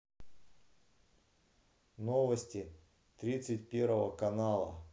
новости тридцать первого канала